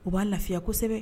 U b'a lafiya kosɛbɛ